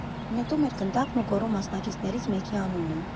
Նետում էր գնդակն ու գոռում մասնակիցներից մեկի անունը։